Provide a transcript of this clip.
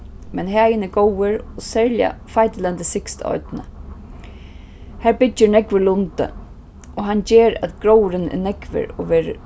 men hagin er góður og serliga feitilendið syðst á oynni har byggir nógvur lundi og hann ger at gróðurin er nógvur og verður